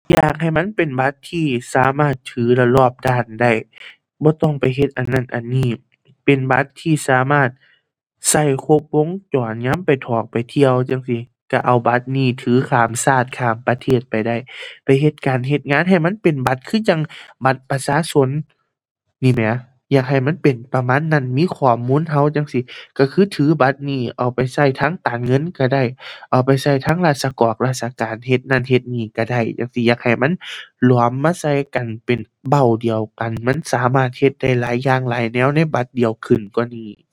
อยากให้มันเป็นบัตรที่สามารถถือแล้วรอบด้านได้ บ่ต้องไปเฮ็ดอันนั้นอันนี้ เป็นบัตรที่สามารถใช้ครบวงจรยามไปทอกไปเที่ยวจั่งซี้ ใช้เอาบัตรนี้ถือข้ามชาติข้ามประเทศไปได้ ไปเฮ็ดการเฮ็ดงานให้มันเป็นบัตรคือจั่งบัตรประชาชนนี่แหมะ อยากให้มันเป็นประมาณนั้น มีข้อมูลใช้จั่งซี้ ใช้คือถือบัตรนี้เอาไปใช้ทางการเงินใช้ได้ เอาไปใช้ทางราชกอกราชการ เฮ็ดนั้น เฮ็ดนี้ ใช้ได้จั่งซี้ อยากให้มันหลอมมาใส่กัน เป็นเบ้าเดียวกัน มันสามารถเฮ็ดได้หลายอย่างหลายแนวในบัตรเดียวขึ้นกว่านี้